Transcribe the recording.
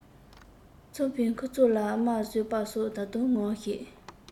ཚངས པའི མཁུར ཚོས ལ རྨ བཟོས པ སོགས ད དུང ངོམས ཤིག